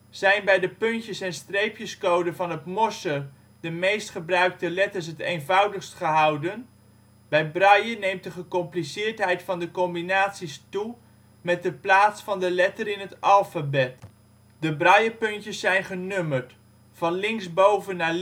Zijn bij de punten - en streepjescode van het ' morse ' de meest gebruikte letters het eenvoudigst gehouden, bij braille neemt de gecompliceerdheid van de combinaties toe met de plaats van de letter in het alfabet. De braillepuntjes zijn genummerd: van linksboven naar